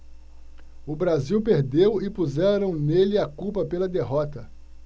o brasil perdeu e puseram nele a culpa pela derrota